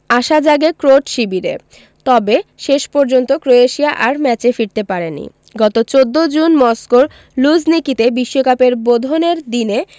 আশা জাগে ক্রোট শিবিরে তবে শেষ পর্যন্ত ক্রোয়েশিয়া আর ম্যাচে ফিরতে পারেনি গত ১৪ জুন মস্কোর লুঝনিকিতে বিশ্বকাপের বোধনের দিনে